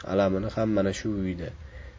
alamini ham mana shu uyda